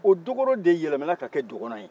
o dokoro de yɛlɛmana ka kɛ dɔgɔnɔ ye